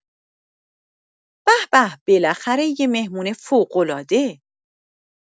به‌به بالاخره یه مهمون فوق‌العاده